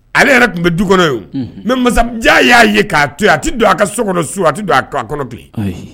Ale yɛrɛ tun bɛ du kɔnɔ mɛ masa y'a ye k'a to a tɛ don a ka so kɔnɔ su a tɛ don a kɔnɔ bi